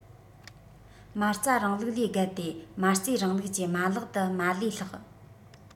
མ རྩ རིང ལུགས ལས བརྒལ ཏེ མ རྩའི རིང ལུགས ཀྱི མ ལག ཏུ མ ལས ལྷག